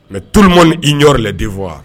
Mɛ t mɔn i yɔrɔ la de fɔ wa